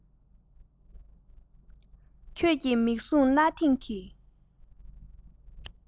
ཁྱོད ཀྱི མིག ཟུང གནའ དེང གི